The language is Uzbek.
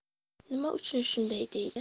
nima uchun shunday deydi